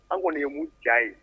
An kɔni ye mun diya ye